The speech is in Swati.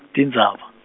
tindzaba.